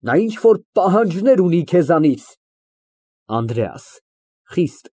Նա ինչ֊որ պահանջներ ունի քեզանից։ ԱՆԴՐԵԱՍ ֊ (Խիստ)